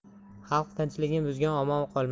xalq tinchligin buzgan omon qolmas